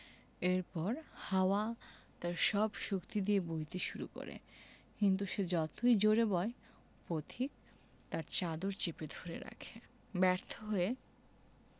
এরপর উত্তর হাওয়া তার সব শক্তি দিয়ে বইতে শুরু করে কিন্তু সে যতই জোড়ে বয় পথিক তার চাদর চেপে ধরে রাখে ব্যর্থ হয়ে